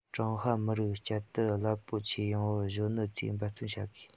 ཀྲུང ཧྭ མི རིགས བསྐྱར དར རླབས པོ ཆེ ཡོང བར གཞོན ནུ ཚོས འབད བརྩོན བྱ དགོས